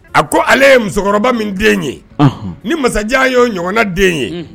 A ko ale ye musokɔrɔba min den ye ni masajan y ye o ɲɔgɔnna den ye